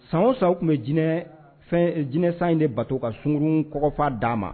San sa tun bɛ jinɛsan in de bato ka sungurun kɔfa d'a ma